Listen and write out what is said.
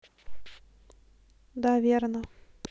да верно